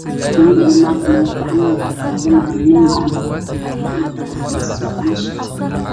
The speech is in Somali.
Halkaan waxaa ka muuqdo dad iskugu jira rag iyo dumar mid kamid ahna uu taagan yahay oo microphone haysto 🎤